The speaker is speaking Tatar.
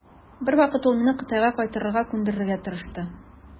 Бер вакыт ул мине Кытайга кайтырга күндерергә тырышты.